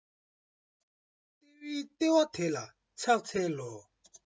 ལྟེ བའི ལྟེ བ དེ ལ ཕྱག འཚལ ལོ